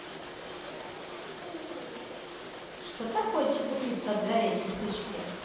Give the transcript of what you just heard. что такое чебупицца от горячей штучки